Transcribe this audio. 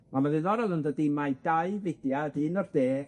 On' ma' ddiddorol yndydi, mae dau fudiad, un o'r de